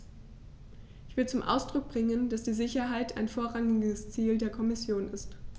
Ich will zum Ausdruck bringen, dass die Sicherheit ein vorrangiges Ziel der Kommission ist.